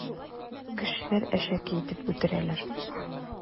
Кешеләр әшәке итеп үтерәләр.